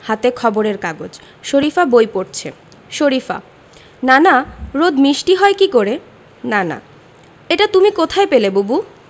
হাতে খবরের কাগজ শরিফা বই পড়ছে শরিফা নানা রোদ মিষ্টি হয় কী করে নানা এটা তুমি কোথায় পেলে বুবু